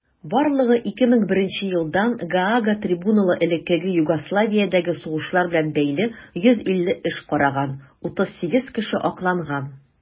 Барлыгы 2001 елдан Гаага трибуналы элеккеге Югославиядәге сугышлар белән бәйле 150 эш караган; 38 кеше акланган.